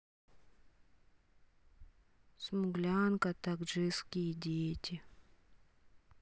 смуглянка таджикские дети